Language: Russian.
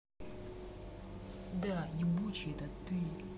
да ебучий ты это